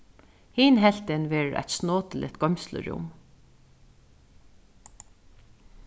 hin helvtin verður eitt snotiligt goymslurúm